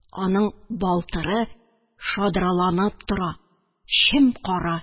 Аның балтыры шадраланып тора, чем-кара.